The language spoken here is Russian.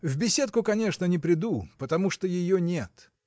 В беседку, конечно, не приду, потому что ее нет.